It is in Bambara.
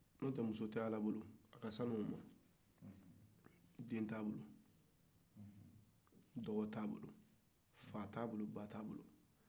n'o tɛ muso tɛ ala bolo aka sanu o ma den t'a bolo dɔgɔ t'a bolo fa t'a bolo ba t'a bolo